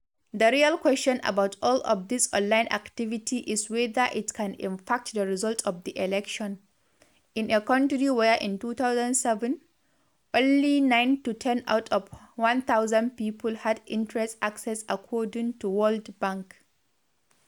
The real question about all of this online activity is whether it can impact the results of the election, in a country where in 2007, only 9-10 out of 1000 people had internet access according to the World Bank.